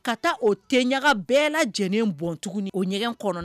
Ka taa o tɛɲa bɛɛ lajɛlen bɔnt o ɲɛgɛn kɔnɔ